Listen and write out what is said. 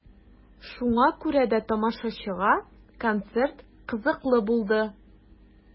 Шуңа күрә дә тамашачыга концерт кызыклы булды.